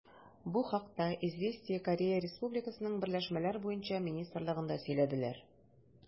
Бу хакта «Известия»гә Корея Республикасының берләшмәләр буенча министрлыгында сөйләделәр.